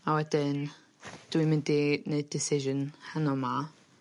a wedyn dwi'n mynd i neud decision heno 'ma.